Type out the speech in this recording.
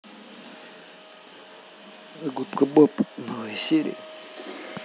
губка боб новые серии